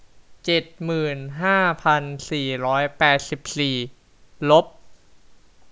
เจ็ดหมื่นห้าพันสี่ร้อยแปดสิบสี่ลบ